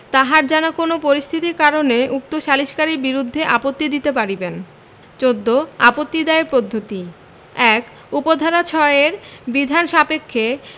তাহার জানা কোন পরিস্থিতির কারণে উক্ত সালিসকারীর বিরুদ্ধে আপত্তি দিতে পারিবেন ১৪ আপত্তি দায়ের পদ্ধতিঃ ১ উপ ধারা ৬ এর বিধান সাপেক্ষে